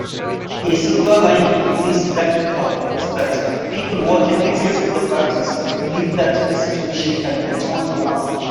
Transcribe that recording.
A silver lining in this dark cloud is that people working against the practice believe that the situation can be turned around.